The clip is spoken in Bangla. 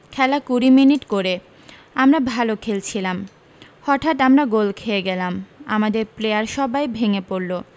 খেলা কুড়ি মিনিট করে আমরা ভালো খেলছিলাম হঠাত আমরা গোল খেয়ে গেলাম আমাদের প্লেয়ার সবাই ভেঙে পড়লো